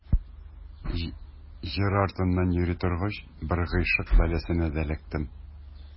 Җыр артыннан йөри торгач, бер гыйшык бәласенә дә эләктем.